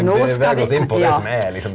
nå skal vi ja.